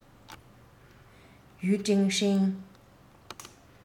ཡུས ཀྲེང ཧྲེང